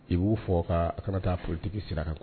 I b'uo fɔ ka kana taa folitigi sira kan